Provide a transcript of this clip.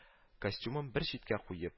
Костюмын бер читкә куеп